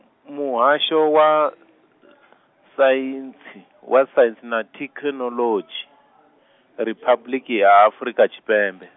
Muhasho, wa , Saintsi wa Saintsi na Thekinoḽodzhi, Riphabuḽiki ya Afrika Tshipembe.